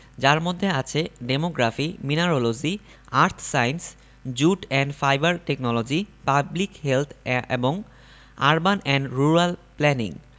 যার মধ্যে আছে demography mineralogy earth science jute and fibre technology public health এবং আরবান অ্যান্ড রুরাল প্ল্যানিং